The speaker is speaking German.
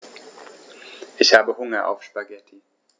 Ich habe Hunger auf Spaghetti.